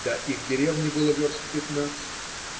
До их деревни было верст пятнадцать.